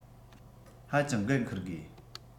ཧ ཅང འགན འཁུར དགོས